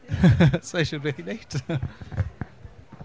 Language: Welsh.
Sa i'n siŵr beth i wneud ?